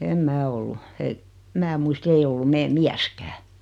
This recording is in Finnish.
en minä ollut - minä muista ei ollut meidän mieskään